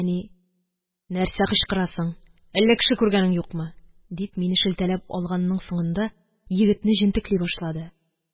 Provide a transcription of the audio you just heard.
Әни: – Нәрсә кычкырасың, әллә кеше күргәнең юкмы? – дип, мине шелтәләп алганның соңында, егетне җентекли башлады